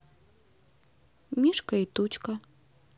мишка и тучка